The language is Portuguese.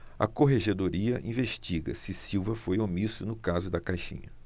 a corregedoria investiga se silva foi omisso no caso da caixinha